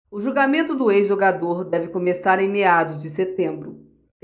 o julgamento do ex-jogador deve começar em meados de setembro